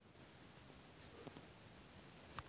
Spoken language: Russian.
это профиль